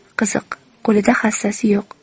qiziq qo'lida hassa yo'q